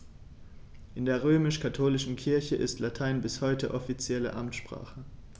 In der römisch-katholischen Kirche ist Latein bis heute offizielle Amtssprache.